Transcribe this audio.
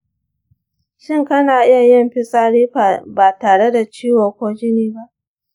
shin kana iya yin fitsari ba tare da ciwo ko jini ba?